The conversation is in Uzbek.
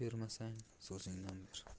yo'lingdan bermasang so'zingdan ber